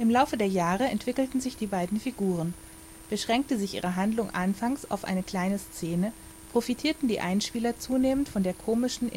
Laufe der Jahre entwickelten sich die beiden Figuren; beschränkte sich ihre Handlung anfangs auf eine kleine Szene, profitierten die Einspieler zunehmend von der komischen